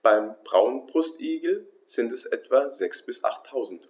(beim Braunbrustigel sind es etwa sechs- bis achttausend).